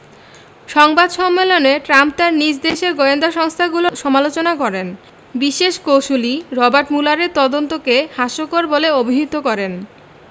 সংবাদ সম্মেলনে ট্রাম্প তাঁর নিজ দেশের গোয়েন্দা সংস্থাগুলোর সমালোচনা করেন বিশেষ কৌঁসুলি রবার্ট ম্যুলারের তদন্তকে হাস্যকর বলে অভিহিত করেন